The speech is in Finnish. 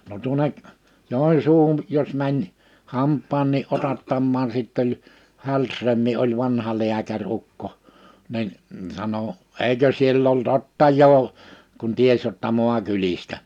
no tuonne Joensuuhun jos meni hampaankin otattamaan sitten oli Hällström oli vanha lääkäri ukko niin sanoi eikö siellä ole ottajaa kun tiesi jotta maakylistä